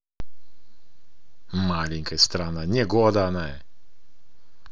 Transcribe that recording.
маленькая страна негода она